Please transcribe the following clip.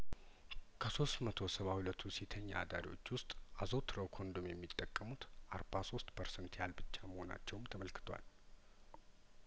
ከሶስት መቶ ሰባ ሁለቱ ሴተኛ አዳሪዎች ውስጥ አዘው ተረው ኮንዶም የሚጠቀሙት አርባ ሶስት ፐርሰንት ያህል ብቻ መሆ ናቸውም ተመልክቷል